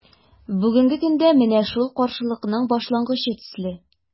Бүгенге көндә – менә шул каршылыкның башлангычы төсле.